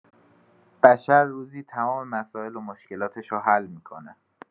بشر روزی تمام مسائل و مشکلاتشو حل می‌کنه